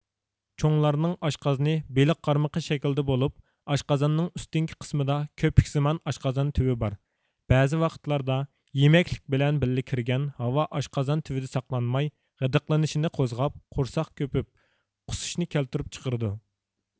چوڭلارنىڭ ئاشقازىنى بېلىق قارمىقى شەكلىدە بولۇپ ئاشقازاننىڭ ئۈستۈنكى قىسمىدا كۆپۈكسىمان ئاشقازان تۈۋى بار بەزى ۋاقىتلاردا يېمەكلىك بىلەن بىللە كىرگەن ھاۋا ئاشقازان تۈۋىدە ساقلانماي غىدىقلىنىشىنى قوزغاپ قورساق كۆپۈپ قۇسۇشنى كەلتۈرۈپ چىقرىدۇ